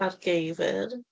A'r geifr.